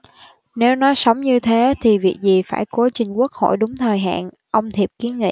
nếu nó sống như thế thì việc gì phải cố trình quốc hội đúng thời hạn ông thiệp kiến nghị